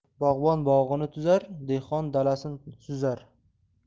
bog'bon bog'ini tuzar dehqon dalasin suzar